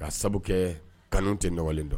Ka sababu kɛ kanu tɛ ɲɔgɔnlen dɔn